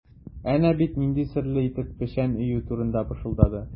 Әнә бит нинди серле итеп печән өю турында пышылдады.